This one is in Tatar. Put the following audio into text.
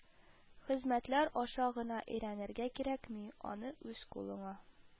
Хезмәтләр аша гына өйрәнергә кирәкми, аны үз кулыңа